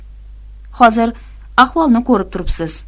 hozir ahvolni ko'rib turibsiz